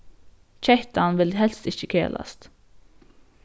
kettan vil helst ikki kelast